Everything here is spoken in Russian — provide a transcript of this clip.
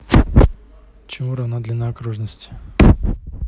чему равна длина окружности